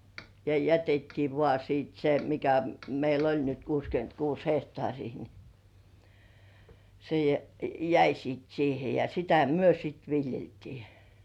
ja jätettiin vain sitten se mikä meillä oli nyt kuusikymmentäkuusi hehtaaria niin se - jäi sitten siihen ja sitä me sitten viljeltiin